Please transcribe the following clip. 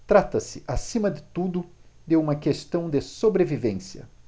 trata-se acima de tudo de uma questão de sobrevivência